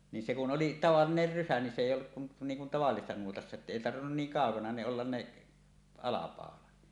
niin se kun oli tavallinen rysä niin se ei ollut kuin niin kuin tavallisessa nuotassa että ei tarvinnut niin kaukana ne olla ne alapaulat